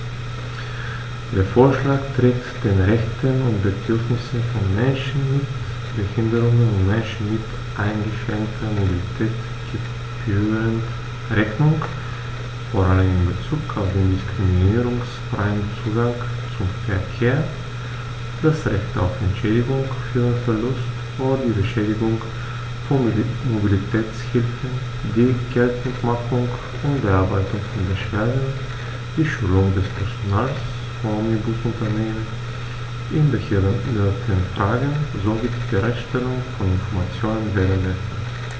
Der Vorschlag trägt den Rechten und Bedürfnissen von Menschen mit Behinderung und Menschen mit eingeschränkter Mobilität gebührend Rechnung, vor allem in Bezug auf den diskriminierungsfreien Zugang zum Verkehr, das Recht auf Entschädigung für den Verlust oder die Beschädigung von Mobilitätshilfen, die Geltendmachung und Bearbeitung von Beschwerden, die Schulung des Personals von Omnibusunternehmen in Behindertenfragen sowie die Bereitstellung von Informationen während der Fahrt.